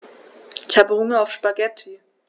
Ich habe Hunger auf Spaghetti.